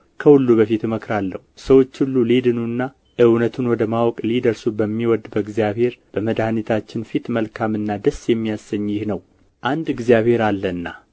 ከሁሉ በፊት እመክራለሁ ሰዎች ሁሉ ሊድኑና እውነቱን ወደ ማወቅ ሊደርሱ በሚወድ በእግዚአብሔር በመድኃኒታችን ፊት መልካምና ደስ የሚያሰኝ ይህ ነው አንድ እግዚአብሔር አለና